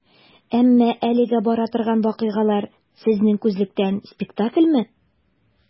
Әмма әлегә бара торган вакыйгалар, сезнең күзлектән, спектакльмы?